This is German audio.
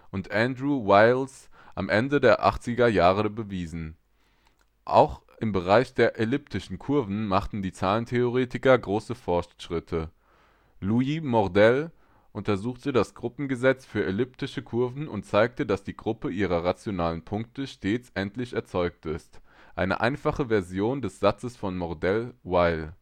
und Andrew Wiles am Ende der achtziger Jahre bewiesen. Auch im Bereich der elliptischen Kurven machten die Zahlentheoretiker große Fortschritte. Louis Mordell untersuchte das Gruppengesetz für elliptische Kurven und zeigte, dass die Gruppe ihrer rationalen Punkte stets endlich erzeugt ist, eine einfache Version des Satzes von Mordell-Weil